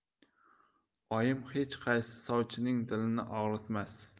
oyim hech qaysi sovchining dilini og'ritmas